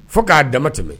Fo k'a dama tɛmɛ